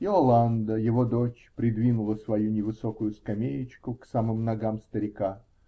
Иоланда, его дочь, придвинула свою невысокую скамеечку к самым ногам старика.